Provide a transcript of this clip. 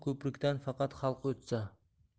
ko'prikdan faqat xalq o'tsa